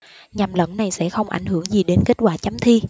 nhầm lẫn này sẽ không ảnh hưởng gì đến kết quả chấm thi